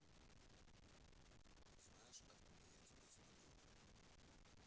знаешь откуда я тебя смотрю